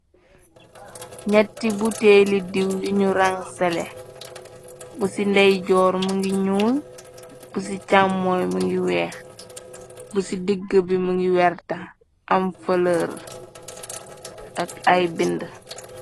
Ñatti bu teeli diiw yuñu rang sele, bu ci ndey joor mu ngi ñuul, bu ci càm mooy mu ngi weex, bu ci digg bi mu ngi werta, am fëlër ak ay bind.